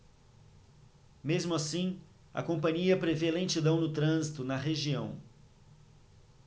mesmo assim a companhia prevê lentidão no trânsito na região